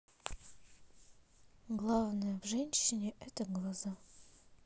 главное в женщине это глаза